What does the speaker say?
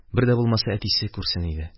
Бер дә булмаса, әтисе күрсен иде.